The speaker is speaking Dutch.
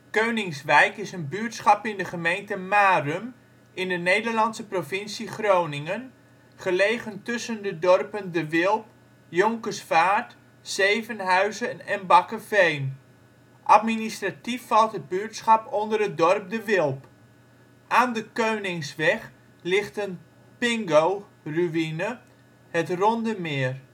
Keuningswijk is een buurtschap in de gemeente Marum in de Nederlandse provincie Groningen, gelegen tussen de dorpen De Wilp, Jonkersvaart, Zevenhuizen en Bakkeveen. Administratief valt het buurtschap onder het dorp De Wilp. Aan de Keuningsweg ligt een pingo (ruïne), het Ronde meer